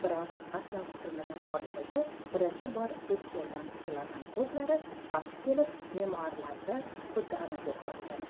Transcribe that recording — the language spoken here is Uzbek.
biroq aslo kutilmagan hodisaga birinchi bor duch kelgan kishilardan ko'plari vaqti kelib memuarlarida xuddi ana shu hodisani